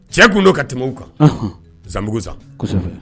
Cɛ tun do ka tɛmɛ u kan Zanbuguugu Zan